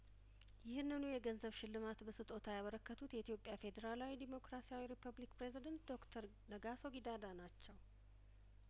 ይህንኑ የገንዘብ ሽልማት በስጦታ ያበረከቱት የኢትዮጵያ ፈዴራላዊ ዴሞክራሲያዊ ሪፐብሊክ ፕሬዝደንት ዶክተር ነጋሶ ጊዳዳ ናቸው